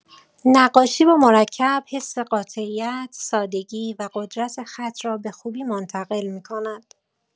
نقاشی با مرکب حس قاطعیت، سادگی و قدرت خط را به‌خوبی منتقل می‌کند.